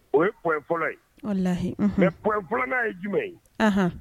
O ye point fɔlɔ ye. Mais point 2 nan ye jumɛn ye?